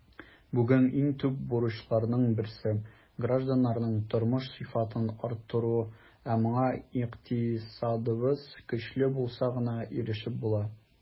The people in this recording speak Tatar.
Бүген иң төп бурычларның берсе - гражданнарның тормыш сыйфатын арттыру, ә моңа икътисадыбыз көчле булса гына ирешеп була.